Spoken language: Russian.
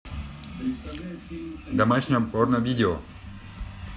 домашнее порно видео